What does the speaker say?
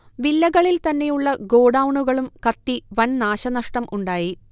വില്ലകളിൽ തന്നെയുള്ള ഗോഡൗണുകളും കത്തി വൻ നാശ നഷ്ടം ഉണ്ടായി